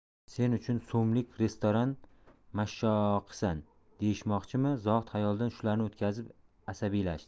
sen uch so'mlik restoran mashshoqisan deyishmoqchimi zohid xayolidan shularni o'tkazib asabiylashdi